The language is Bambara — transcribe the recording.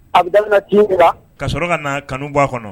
A bɛ daminɛ cogo ka sɔrɔ ka na kanu bɔ a kɔnɔ